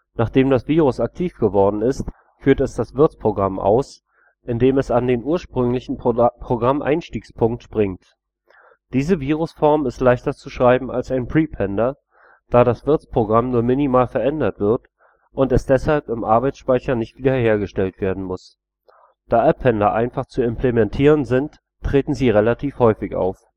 Nachdem das Virus aktiv geworden ist, führt es das Wirtsprogramm aus, indem es an den ursprünglichen Programmeinstiegspunkt springt. Diese Virusform ist leichter zu schreiben als ein Prepender, da das Wirtsprogramm nur minimal verändert wird und es deshalb im Arbeitsspeicher nicht wieder hergestellt werden muss. Da Appender einfach zu implementieren sind, treten sie relativ häufig auf